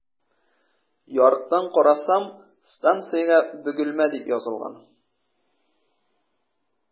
Ярыктан карасам, станциягә “Бөгелмә” дип язылган.